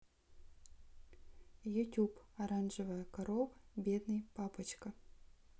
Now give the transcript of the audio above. ютуб оранжевая корова бедный папочка